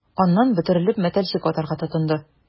Аннан, бөтерелеп, мәтәлчек атарга тотынды...